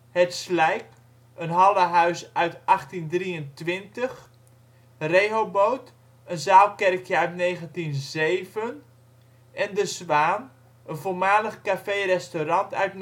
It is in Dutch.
Het Slijck, hallehuis uit 1823 Rehoboth, zaalkerkje uit 1907 De Zwaan, voormalig café-restaurant, uit